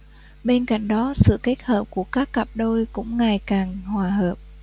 bên cạnh đó sự kết hợp của các cặp đôi cũng ngày càng hòa hợp